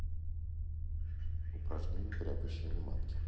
упражнения при опущении матки